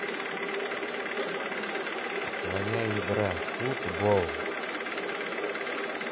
своя игра футбол